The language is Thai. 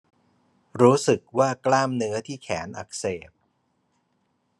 รู้สึกว่ากล้ามเนื้อที่แขนอักเสบ